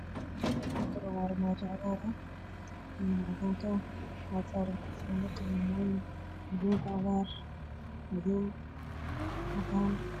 Waa armaajo cagaar ah waxaa saaran kareen badan